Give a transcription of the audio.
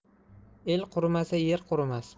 el qurimasa yer qurimas